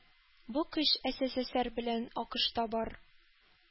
Бу көч эсэсэсэр белән акышта бар,